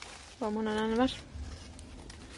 Waw ma 'wnna'n anferth.